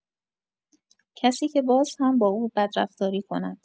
کسی که باز هم با او بدرفتاری کند.